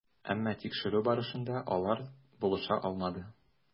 Әмма тикшерү барышына алар булыша алмады.